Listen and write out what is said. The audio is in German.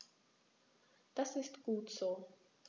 Das ist gut so.